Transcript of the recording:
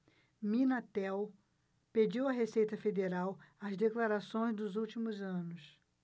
minatel pediu à receita federal as declarações dos últimos anos